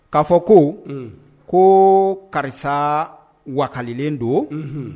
K kaa fɔ ko ko karisa wakalilen don